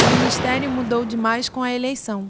o ministério mudou demais com a eleição